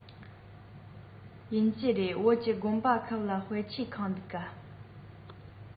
ཡིན གྱི རེད བོད ཀྱི དགོན པ ཁག ལ དཔེ ཆས ཁེངས འདུག ག